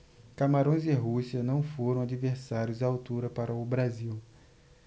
camarões e rússia não foram adversários à altura para o brasil